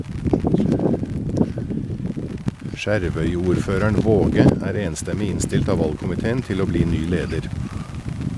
Skjervøy-ordføreren Waage er enstemmig innstilt av valgkomiteen til å bli ny leder.